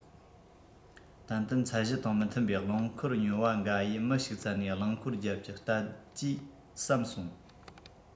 ཏན ཏན ཚད གཞི དང མི མཐུན པའི རླངས འཁོར ཉོ བ འགའ ཡིས མི ཞིག བཙལ ནས རླངས འཁོར རྒྱབ ཀྱི གཏད ཇུས བསམ སོང